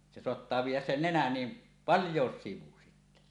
se saattaa viedä sen nenän niin paljonkin sivuun sitten